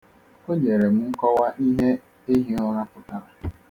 O nyere m nkọwa ihe ehighịụra pụtara.